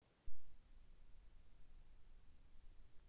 сплав по волге в тверской области